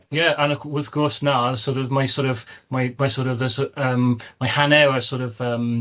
Ie, ac wrth gwrs 'na sor' of mae sor' of mae th s- yym... Mae hanner y sor' of yym